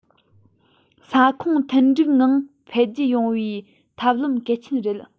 ས ཁོངས མཐུན འགྲིག ངང འཕེལ རྒྱས ཡོང བའི ཐབས ལམ གལ ཆེན རེད